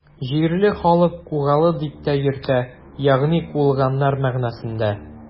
Җирле халык Кугалы дип тә йөртә, ягъни “куылганнар” мәгънәсендә.